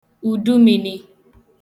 ùdumīnī